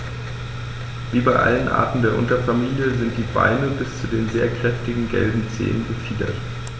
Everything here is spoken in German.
Wie bei allen Arten der Unterfamilie sind die Beine bis zu den sehr kräftigen gelben Zehen befiedert.